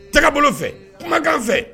Taabolo bolo fɛ kumakan fɛ